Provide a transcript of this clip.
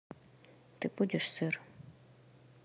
ты будешь сыр